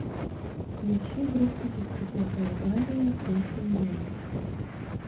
включи группу дискотека авария песня яйца